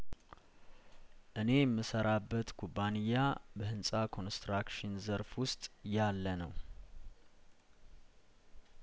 እኔ የምሰራበት ኩባንያበህንጻ ኮንስትራክሽን ዘርፍ ውስጥ ያለነው